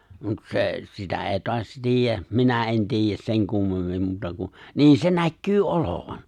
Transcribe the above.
mutta se sitä ei taas tiedä minä en tiedä sen kummemmin muuta kuin niin se näkyy olevan